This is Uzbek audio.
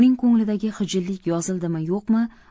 uning ko'nglidagi xijillik yozildimi yo'qmi